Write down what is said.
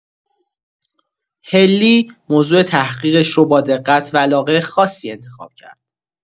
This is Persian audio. حلی موضوع تحقیقش رو با دقت و علاقه خاصی انتخاب کرد.